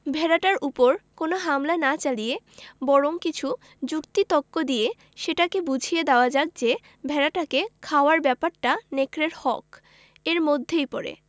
ভেড়াটার উপর কোন হামলা না চালিয়ে বরং কিছু যুক্তি তক্ক দিয়ে সেটাকে বুঝিয়ে দেওয়া যাক যে ভেড়াটাকে খাওয়ার ব্যাপারটা নেকড়ের হক এর মধ্যেই পড়ে